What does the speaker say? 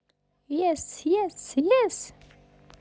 yes yes yes